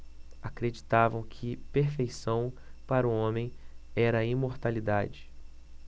acreditavam que perfeição para o homem era a imortalidade